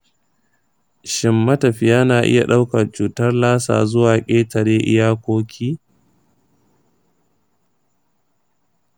shin matafiya na iya ɗaukar cutar lassa zuwa ƙetare iyakoki?